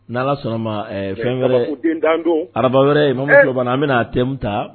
N'Ala sɔnn'a ma fɛn wɛrɛ, araba wɛrɛ an bɛna theme ta, ,kabakoden dan don.